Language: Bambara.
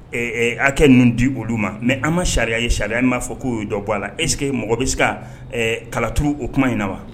A kɛ ninnu di olu ma mɛ an ma sariya ye sariya m'a fɔ k'o dɔ bɔ a la ese que mɔgɔ bɛ se ka kalauru o kuma in na wa